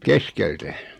keskeltä